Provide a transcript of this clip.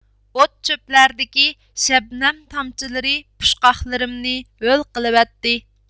ئوت چۆپلەردىكى شەبنەم تامچىلىرى پۇچقاقلىرىمنى ھۆل قىلىۋەتتى